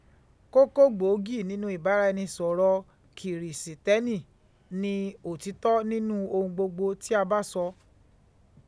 Kókó gbòógì nínú ìbára ẹni sọ̀rọ̀ kìrìsìtẹ́nì ni òtítọ́ nínú ohun gbogbo tí a bá sọ